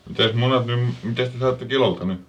mitäs munat nyt - mitäs te saatte kilolta nyt